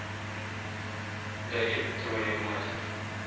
да еб твою мать